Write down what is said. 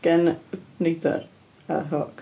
Gan neidr a hawk.